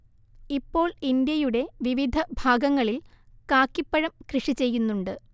ഇപ്പോൾ ഇന്ത്യയുടെ വിവിധ ഭാഗങളിൽ കാക്കിപ്പഴം കൃഷി ചെയ്യുന്നുണ്ട്